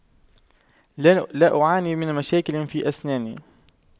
لا لا أعاني من مشاكل في أسناني